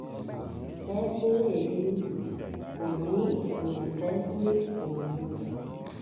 Humphreys ní ”Kò ní nǹkan mú òun,”